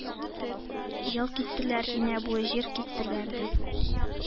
Ел киттеләр, инә буе җир киттеләр, ди.